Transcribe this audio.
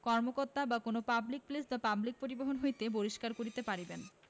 কর্মকর্তঅ কোন public place বা public পরিবহণ হইতে বহিষ্কার করিতে পারিবেন